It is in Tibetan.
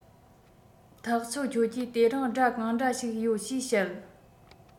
ཐག ཆོད ཁྱོད ཀྱིས དེ རིང སྒྲ གང འདྲ ཞིག ཡོད ཞེས བཤད